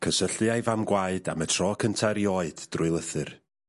...cysylltu a'i fam gwaed am y tro cynta erioed drwy lythyr.